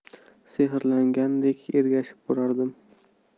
sehrlangandek ergashib borardim